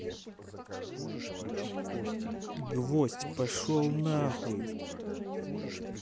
гвоздь пошел на хуй